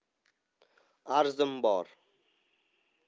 arzim bor